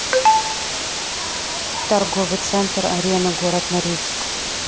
торговый центр арена город норильск